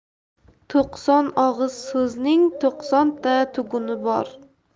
to'qson og'iz so'zning to'qsonta tuguni bor